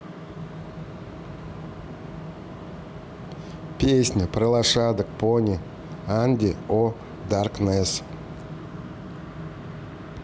песня про лошадок пони andy o darkness